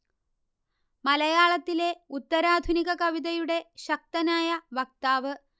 മലയാളത്തിലെ ഉത്തരാധുനിക കവിതയുടെ ശക്തനായ വക്താവ്